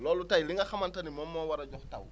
loolu tey li nga xamante ne moom moo war a jox taw